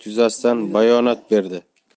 yuzasidan bayonot berdi